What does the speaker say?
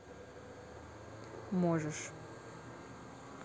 можешь